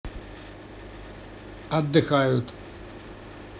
отдыхают